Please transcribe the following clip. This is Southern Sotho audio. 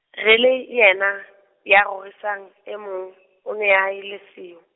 re le yena, ya rorisang e mong , o ne a le siyo.